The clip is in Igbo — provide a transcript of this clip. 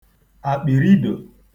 àkpị̀rịdò